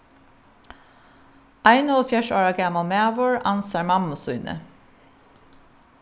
einoghálvfjerðs ára gamal maður ansar mammu síni